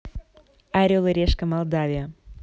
орел и решка молдавия